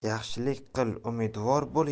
yaxshilik qil umidvor bo'l